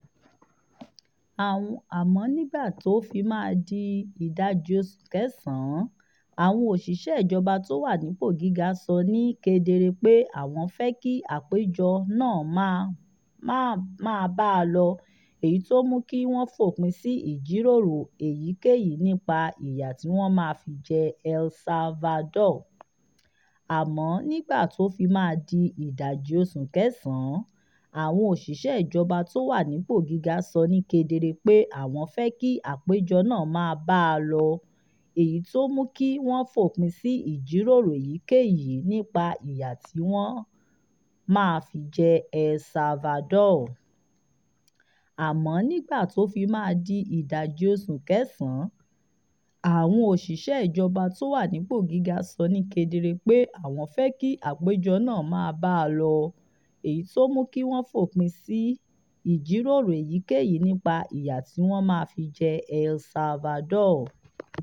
Àmọ́ nígbà tó fi máa di ìdajì oṣù kẹsàn-án, àwọn òṣìṣẹ́ ìjọba tó wà nípò gíga sọ ní kedere pé àwọn fẹ́ kí àpéjọ náà máa bá a lọ, èyí tó mú kí wọ́n fòpin sí ìjíròrò èyíkéyìí nípa ìyà tí wọ́n máa fi jẹ El Salvador.